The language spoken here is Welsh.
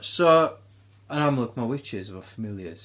So yn amlwg mae witches efo familiars.